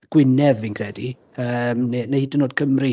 Gwynedd fi'n credu yym neu neu hyd yn oed Cymru.